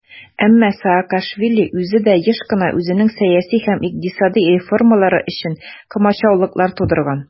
Әмма Саакашвили үзе дә еш кына үзенең сәяси һәм икътисади реформалары өчен комачаулыклар тудырган.